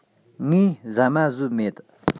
ངས ཟ མ ཟོས མེད